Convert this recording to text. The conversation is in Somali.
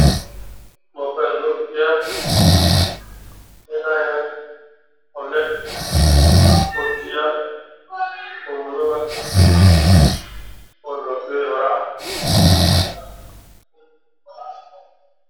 Waa mobile gal ku jiraa cadaan ah